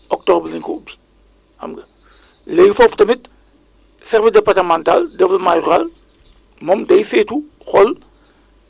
ci biir mécanisme d' adaptation yooyu li ñuy wax information climatique bi bokk na ci loolu moom moo war moo ñuy wa waral ñu lëkkaloo ak les rajo communautaires